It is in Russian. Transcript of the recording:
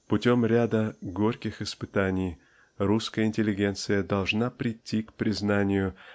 Путем ряда горьких испытаний русская интеллигенция должна прийти к признанию